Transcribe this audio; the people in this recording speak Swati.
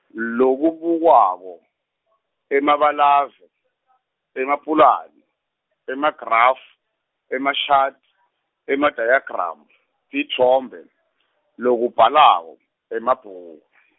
lokubukwako , emabalave , emapulani, emagrafu, emashadi, emadayagramu, titfombe, lokubhalako, emabhuku.